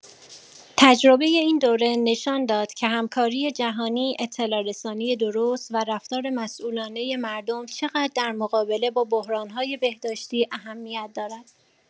تجربه این دوره نشان داد که همکاری جهانی، اطلاع‌رسانی درست و رفتار مسئولانه مردم چقدر در مقابله با بحران‌های بهداشتی اهمیت دارد.